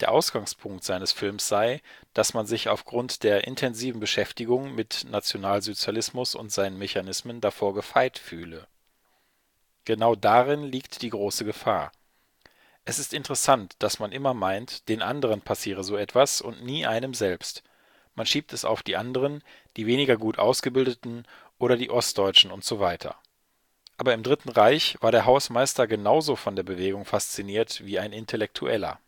Ausgangspunkt seines Films sei, dass man sich aufgrund der intensiven Beschäftigung mit Nationalsozialismus und seinen Mechanismen davor gefeit fühle. „ Genau darin liegt die große Gefahr. Es ist interessant, dass man immer meint, den anderen passiere so etwas und nie einem selbst. Man schiebt es auf die anderen, die weniger gut ausgebildeten oder die Ostdeutschen usw. Aber im Dritten Reich war der Hausmeister genauso von der Bewegung fasziniert wie ein Intellektueller